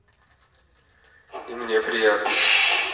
и мне приятно